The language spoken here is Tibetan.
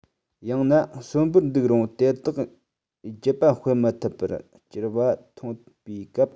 ཡང ན གསོན པོར འདུག རུང དེ དག རྒྱུད པ སྤེལ མི ཐུབ པར གྱུར པ མཐོང བའི སྐབས